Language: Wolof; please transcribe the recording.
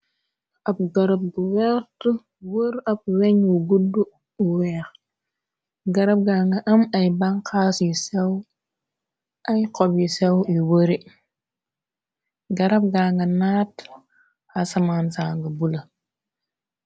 Ab garab bu wert wër ab weñ wu gudd wu weex garab ga nga am ay banxaas yi sew ay xob yi sew yu wëre garab gaa nga naat xasamaan sanga bula.